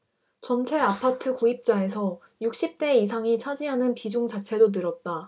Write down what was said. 전체 아파트 구입자에서 육십 대 이상이 차지하는 비중 자체도 늘었다